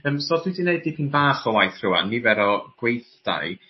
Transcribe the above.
Yym so dwi 'di neud dipyn bach o waith rŵan nifer o gweithdai